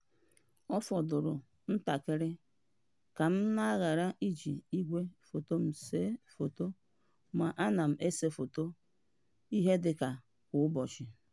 Ọ fọdụrụ ntakịrị ka m na-aghara ịji igwe foto m see foto ma ana m ese foto ihe dịka kwa ụbọchị.